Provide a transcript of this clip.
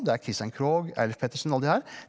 det er Christian Krohg, Eilif Peterssen alle de her.